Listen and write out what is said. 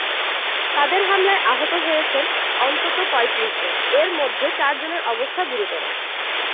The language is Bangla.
তাদের হামলায় আহত হয়েছেন অন্তত ৩৫ জন এর মধ্যে চার জনের অবস্থা গুরুত্বর